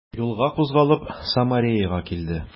Юлга кузгалып, Самареяга килде.